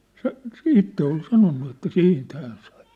se se itse oli sanonut että siitä hän sai